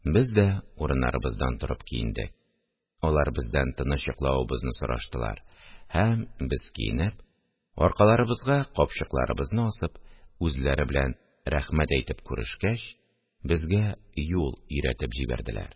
Без дә урыннарыбыздан торып киендек, алар бездән тыныч йоклавыбызны сораштылар һәм, без киенеп, аркаларыбызга капчыкларыбызны асып, үзләре белән рәхмәт әйтеп күрешкәч, безгә юл өйрәтеп җибәрделәр